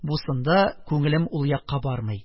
Бусында күңелем ул якка бармый.